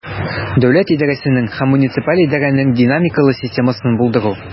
Дәүләт идарәсенең һәм муниципаль идарәнең динамикалы системасын булдыру.